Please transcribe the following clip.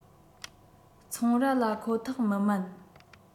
ཚོང ར ལ ཁོ ཐག མི དམན